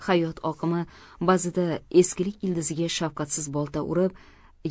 hayot oqimi ba'zida eskilik ildiziga shafqatsiz bolta urib